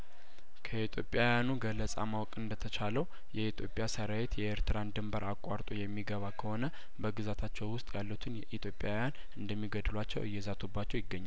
ከኢትዮጵያውያኑ ገለጻ ማወቅ እንደተቻለው የኢትዮጵያ ሰራዊት የኤርትራን ድንበር አቋርጦ የሚገባ ከሆነ በግዛታቸው ውስጥ ያሉትን የኢትዮጵያውያን እንደሚገድሏቸው እየዛቱባቸው ይገኛ